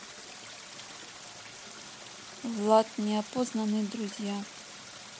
влад неопознанный друзья